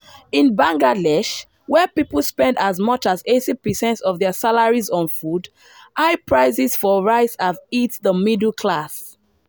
In Bangladesh, where people spend as much as 80% of their salaries on food, high prices for rice have hit the middle class.